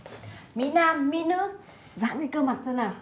mĩ nam mĩ nữ giãn hết cơ mặt xem nào